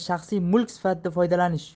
shaxsiy mulk sifatida foydalanish